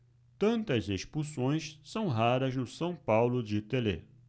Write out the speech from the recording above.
tantas expulsões são raras no são paulo de telê